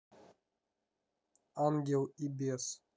ангел и бес